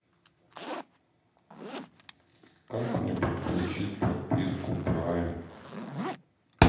как мне подключить подписку прайм